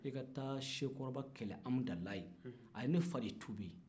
i ka taa sekoɔrɔba kɛlɛ amudalayi a ye ne fa de tuubi